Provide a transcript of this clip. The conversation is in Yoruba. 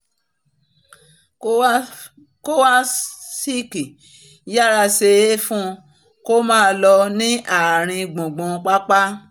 Kovacic yára ṣe fún-un-kó-máa-lọ ní ààrin-gùngùn pápá.